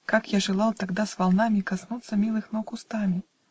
Как я желал тогда с волнами Коснуться милых ног устами!